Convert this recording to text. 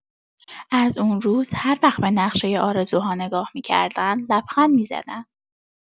از اون روز، هر وقت به نقشۀ آرزوها نگاه می‌کردن، لبخند می‌زدن.